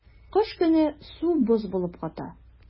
Кыш көне су боз булып ката.